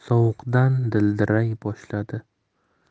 sovuqdan dildiray boshladi